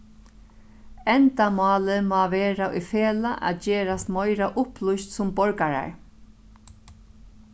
endamálið má vera í felag at gerast meira upplýst sum borgarar